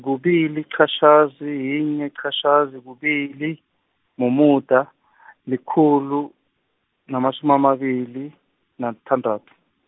kubili -qatjhazi, yinye -qatjhazi kubili, mumuda , likhulu, namasumi amabili, nathandathu.